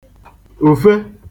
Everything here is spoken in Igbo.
ùfe